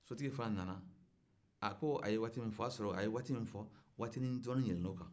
sotigi fana nana a ko a ye waati min fɔ waati dɔɔnin yɛlɛna o kan